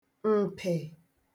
m̀pị̀